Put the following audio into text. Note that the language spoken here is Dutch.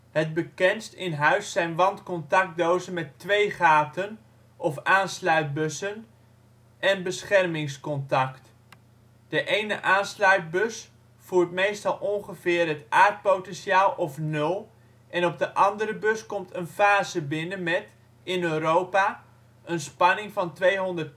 Het bekendst in huis zijn wandcontactdozen met " twee gaten " of aansluitbussen en beschermingscontact. De ene aansluitbus voert meestal ongeveer het aardpotentiaal (of ' nul ') en op de andere bus komt een fase binnen met, in Europa, een spanning van 220-240